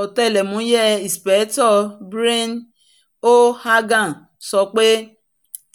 Ọ̀tẹlẹ̀múyẹ́ Inspector̀ Brian O'Hagan sọ pé: